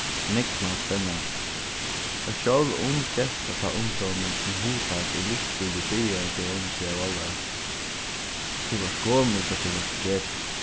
nógv meira spennandi var sjálv ung genta tá ungdómurin sum hugtak og lívsstílur byrjaði at gera um seg av álvara tú vart gomul tá tú vart tretivu